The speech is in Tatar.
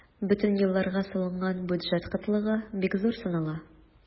Бөтен елларга салынган бюджет кытлыгы бик зур санала.